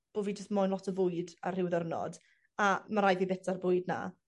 bo' fi jys moyn lot o fwyd ar rhyw ddirnod a ma' rhaid fi bita'r bwyd 'na.